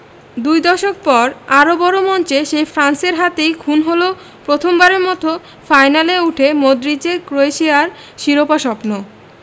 দুই দশক পর আরও বড় মঞ্চে সেই ফ্রান্সের হাতেই খুন হল প্রথমবারের মতো ফাইনালে ওঠে মডরিচের ক্রোয়েশিয়ার শিরোপা স্বপ্ন